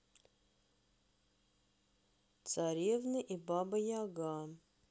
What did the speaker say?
царевны и баба яга